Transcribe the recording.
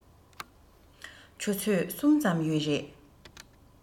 ཆུ ཚོད གསུམ ཙམ ཡོད རེད